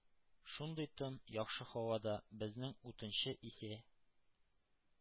Шундый тын, яхшы һавада безнең утынчы исә,